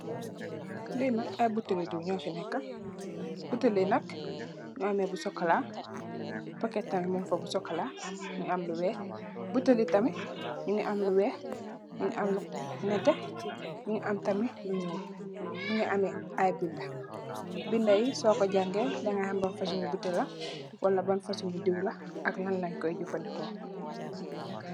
Li nak ay butèèlli diw ño fa nekka, butèèlli nak ñu ngi ameh bu sokola mugii am lu wèèx. Butèèl yi tamid ñu ngi am lu wèèx , mugii am lu netteh ñu ngi am tamit lu ñuul, mugii ameh ay bindé. Bindé yi so ko jangèè di ga xam li ban fasungi butèèl la wala ban fasungi diw la ak lan lañ koy jafandiko.